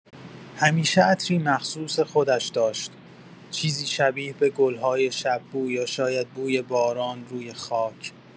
همیشه عطری مخصوص خودش داشت، چیزی شبیه به گل‌های شب‌بو یا شاید بوی باران روی خاک.